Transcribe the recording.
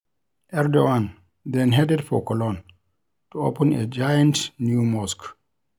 Erdogan then headed for Cologne to open a giant new mosque.